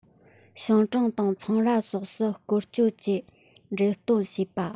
ཞིང གྲོང དང ཚོང ར སོགས སུ སྐོར སྐྱོད ཀྱིས འགྲེམ སྟོན བྱེད པ